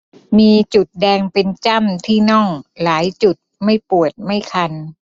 มีจุดแดงเป็นจ้ำที่น่องหลายจุดไม่ปวดไม่คัน